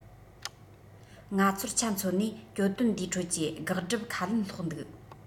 ང ཚོར ཆ མཚོན ནས གྱོད དོན འདིའི ཁྲོད ཀྱི དགག སྒྲུབ ཁ ལན སློག འདུག